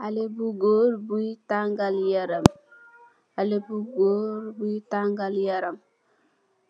Haleh bu gorre bui tangal yaram, haleh bu gorre bui tangal yaram,